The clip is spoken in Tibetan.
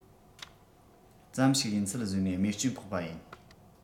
ཙམ ཞིག ཡིན ཚུལ བཟོས ནས རྨས སྐྱོན ཕོག པ ཡིན